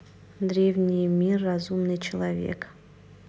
древний мир разумный человек